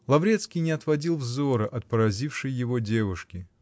Лаврецкий не отводил взора от поразившей его девушки